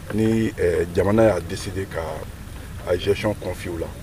Ni jamana y'a di de ka azcon kɔn fiw la